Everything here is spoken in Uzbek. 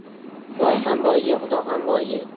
boy ham boyga xudo ham boyga